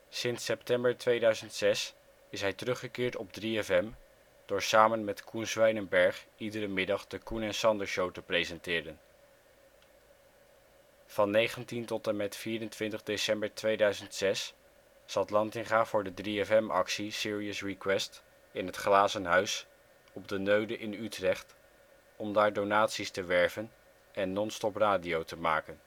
Sinds september 2006 is hij teruggekeerd op 3FM door samen met Coen Swijnenberg iedere middag de Coen en Sander Show te presenteren. Van 19 tot 24 december 2006 zat Lantinga voor de 3FM actie Serious Request in het ' glazen huis ' op de Neude in Utrecht om daar donaties te werven en non-stop radio te maken